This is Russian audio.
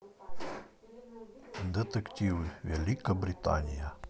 детективы великобритания